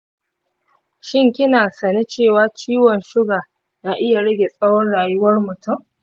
shin kina sane cewa ciwon suga na iya rage tsawon rayuwar mutum?